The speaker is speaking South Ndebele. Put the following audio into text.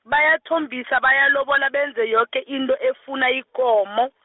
bayathombisa, bayalobola, benza yoke into efuna ikomo.